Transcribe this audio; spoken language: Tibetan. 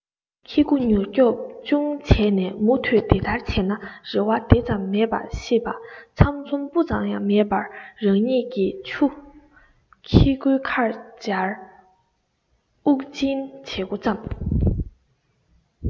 ཁོ བོས མྱུར སྐྱོབ ཅུང བྱས ནས མུ མཐུད དེ ལྟར བྱས ན རེ བ དེ ཙམ མེད པ ཤེས པ ཚམ ཚོམ སྤུ ཙམ ཡང མེད པ རང ཉིད ཀྱི མཆུ ཁྱི གུའི ཁར སྦྱར དབུགས སྦྱིན བྱེད སྒོ བརྩམས